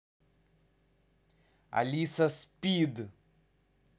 алиса спид